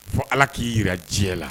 Fɔ ala k'i jira diɲɛ la